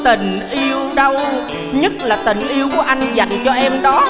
tình yêu đâu nhất là tình yêu của anh dành cho em đó